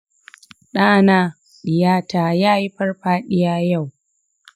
ɗana/ɗiyata yayi farfaɗiya yau